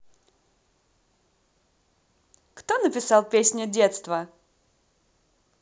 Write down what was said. кто написал песню детства